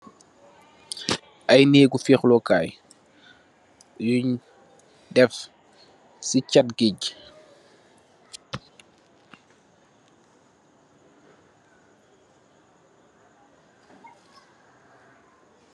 Ay nèèk ngu fexlu Kai , yun def ci cet gaaj ngi.